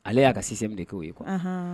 Ale y'a ka si de kɛ ye kuwa